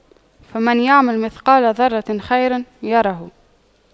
فَمَن يَعمَل مِثقَالَ ذَرَّةٍ خَيرًا يَرَهُ